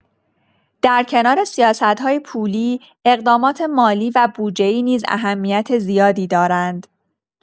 در کنار سیاست‌های پولی، اقدامات مالی و بودجه‌ای نیز اهمیت زیادی دارند.